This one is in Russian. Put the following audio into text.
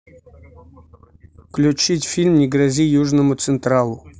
включить фильм не грози южному централу